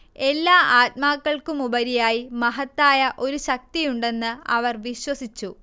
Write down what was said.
എല്ലാ ആത്മാക്കൾക്കുമുപരിയായി മഹത്തായ ഒരു ശക്തിയുണ്ടെന്ന് അവർ വിശ്വസിച്ചു